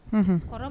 Unhun